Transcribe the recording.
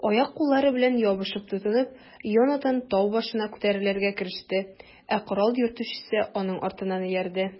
Аяк-куллары белән ябышып-тотынып, Йонатан тау башына күтәрелергә кереште, ә корал йөртүчесе аның артыннан иярде.